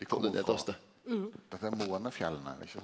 dette er månefjella ikkje sant.